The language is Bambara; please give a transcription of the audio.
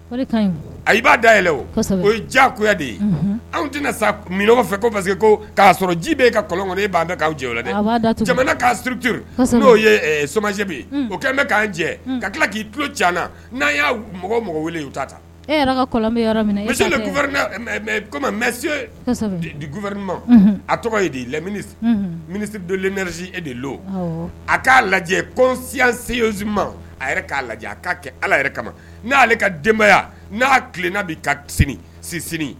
A b'a da yɛlɛ o o ye ja de ye anw tɛna saɔgɔ fɛ ko parce que ko k' sɔrɔ ji bɛ e ka kolon'' jɛ'a surut n'o somajɛ o kɛlen k'an cɛ ka tila k'i tulo caana n'a y'a mɔgɔ mɔgɔ weele taa ta e mɛɛ ma a tɔgɔ ye di lamini minisi donsi e de do a k'a lajɛ kosi sesi ma a k'a ka kɛ ala yɛrɛ kama n' ale ka denbayaya na tilena ka sinsin